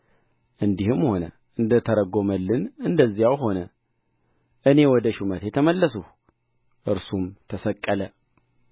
እንዲህም ሆነ እንደ ተረጐመልን እንደዚያው ሆነ እኔ ወደ ሹመቴ ተመለስሁ እርሱም ተሰቀለ